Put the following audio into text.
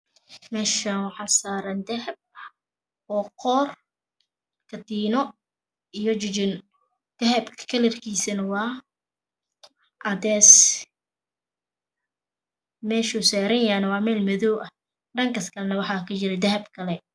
Meeshan waxaa saran dahab oo qoor katiino iyo jijin dahabka kalarkiisa waa cadees meeshuu saranyahayna waa meel madoow ah dhankas kalana waxaa kajiro dahab kale